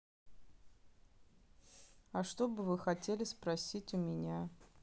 а что бы вы хотели спросить у меня